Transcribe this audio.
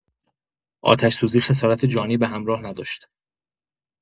آتش‌سوزی خسارت جانی به همراه نداشت.